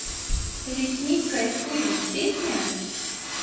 лесник кайфую песня